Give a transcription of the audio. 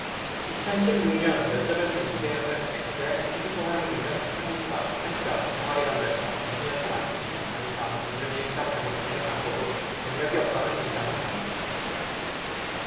이천 십 육 년 면접에서 이세영은 엑셀 컴퓨터활용능력 한국사 한자 병아리감별사 미니어처만들기 장의사 우주비행사 자격증을 갖고도 경력이 없다며 무시당한다